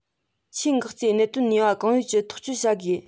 ཆེས འགག རྩའི གནད དོན ནུས པ གང ཡོད ཀྱིས ཐག གཅོད བྱ དགོས